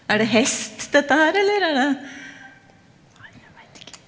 er det hest dette her eller er det?